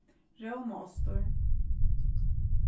rómaostur